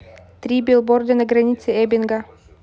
три билборда на границе эббинга